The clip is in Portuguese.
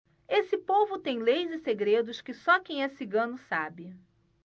esse povo tem leis e segredos que só quem é cigano sabe